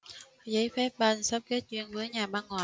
giấy phép bank sắp kết duyên với nhà băng ngoại